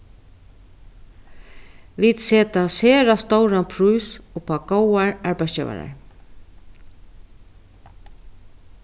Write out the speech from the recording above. vit seta sera stóran prís upp á góðar arbeiðsgevarar